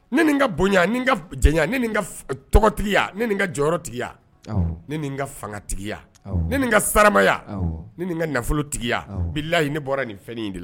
Ne nin n ka bonya ni ka jɛ ne ka tɔgɔtigiya ne n ka jɔyɔrɔ tigiya ne n ka fanga tigiya ne nin ka saramaya ne nin ka nafolo tigiya bilayi ne bɔra nin fɛn de